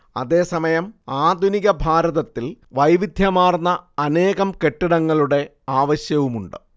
അതേസമയം ആധുനിക ഭാരതത്തിൽ വൈവിധ്യമാർന്ന അനേകം കെട്ടിടങ്ങളുടെ ആവശ്യവുമുണ്ട്